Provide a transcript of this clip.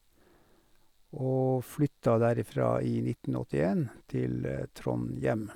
Og flytta derifra i nitten åttien, til Trondhjem.